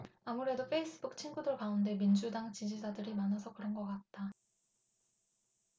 아무래도 페이스북 친구들 가운데 민주당 지지자들이 많아서 그런 것 같다